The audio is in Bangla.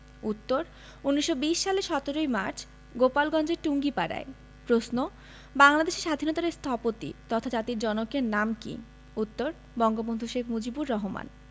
উত্তর ১৯২০ সালের ১৭ মার্চ গোপালগঞ্জের টুঙ্গিপাড়ায় প্রশ্ন বাংলাদেশের স্বাধীনতার স্থপতি তথা জাতির জনকের নাম কী উত্তর বঙ্গবন্ধু শেখ মুজিবুর রহমান